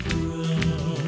thương